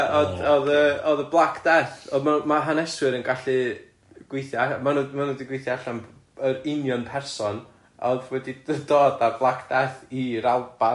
Yy ond o'dd o'dd yy o'dd y Black Death o'dd ma' ma' haneswyr yn gallu gweithio a- ma' nhw ma' nhw wedi gweithio allan yr union person o'dd wedi dod â'r Black Death i'r Alban,